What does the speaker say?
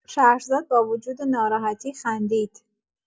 شهرزاد با وجود ناراحتی خندید.